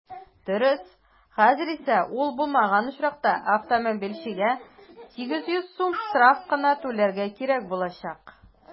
Дөрес, хәзер исә ул булмаган очракта автомобильчегә 800 сум штраф кына түләргә кирәк булачак.